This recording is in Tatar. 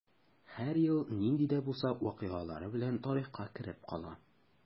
Һәр ел нинди дә булса вакыйгалары белән тарихка кереп кала.